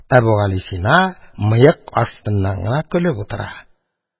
Әбүгалисина мыек астыннан гына көлеп утыра.